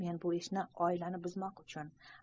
men bu ishni oilani buzmoq uchun